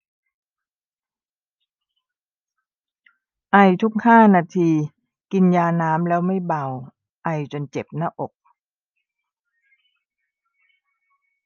ไอทุกห้านาทีกินยาน้ำแล้วไม่เบาไอจนเจ็บหน้าอก